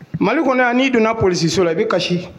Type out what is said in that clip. Mali kɔnɔ yan n'i donna police so la i bɛ kasi